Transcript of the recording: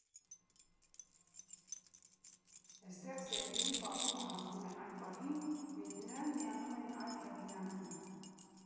Էստեղ Սերգեյի պատումը հասնում է այն պահին, երբ նրան միանում են այլ հեղինակներ։